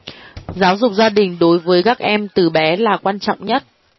giáo dục gia đình đối với các em từ bé là quan trọng nhất